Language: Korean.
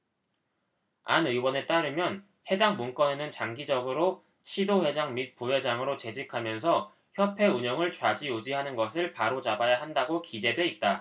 안 의원에 따르면 해당 문건에는 장기적으로 시도회장 및 부회장으로 재직하면서 협회 운영을 좌지우지하는 것을 바로잡아야 한다고 기재돼 있다